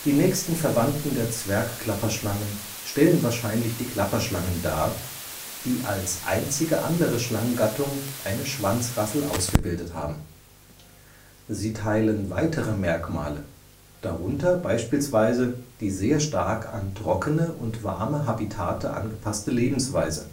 nächsten Verwandten der Zwergklapperschlangen stellen wahrscheinlich die Klapperschlangen dar, die als einzige andere Schlangengattung eine Schwanzrassel ausgebildet haben. Sie teilen weitere Merkmale, darunter beispielsweise die sehr stark an trockene und warme Habitate angepasste Lebensweise